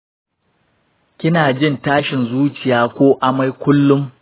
kina jin tashin zuciya ko amai kullun?